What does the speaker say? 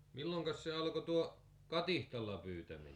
milloinkas se alkoi tuo katiskalla pyytäminen